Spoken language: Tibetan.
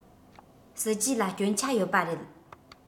སྲིད ཇུས ལ སྐྱོན ཆ ཡོད པ རེད